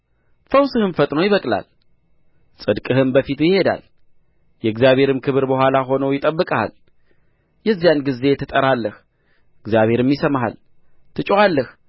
ፈውስህም ፈጥኖ ይበቅላል ጽድቅህም በፊትህ ይሄዳል የእግዚአብሔርም ክብር በኋላህ ሆኖ ይጠብቅሃል የዚያን ጊዜ ትጠራለህ እግዚአብሔርም ይሰማሃል ትጮኻለህ